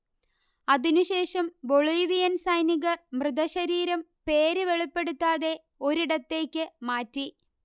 അതിനുശേഷം ബൊളീവിയൻ സൈനികർ മൃതശരീരം പേര് വെളിപ്പെടുത്താതെ ഒരിടത്തേക്ക് മാറ്റി